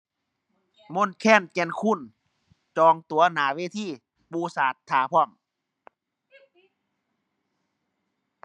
มนต์แคน แก่นคูน จองตั๋วหน้าเวทีปูสาดท่าพร้อม